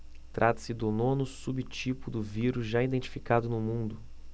trata-se do nono subtipo do vírus já identificado no mundo